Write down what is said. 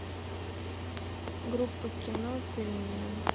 группа кино перемен